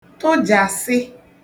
tụjàsị̀